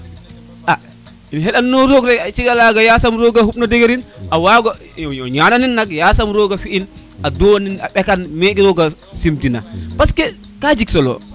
a im xeɗanina roog rek a ciga laga yasam roog xup no degeranin a wago o ñananin rek sasam roga fi in a donin a ɓekan ke roga sim tina parce que ka jeg solo